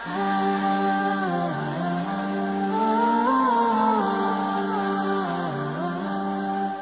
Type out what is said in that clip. San